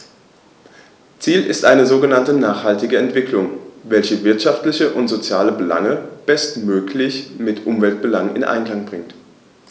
Ziel ist eine sogenannte nachhaltige Entwicklung, welche wirtschaftliche und soziale Belange bestmöglich mit Umweltbelangen in Einklang bringt.